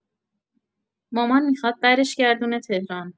مامان می‌خواد برش گردونه تهران.